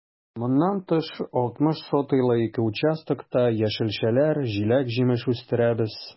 Моннан тыш, 60 сотыйлы ике участокта яшелчәләр, җиләк-җимеш үстерәбез.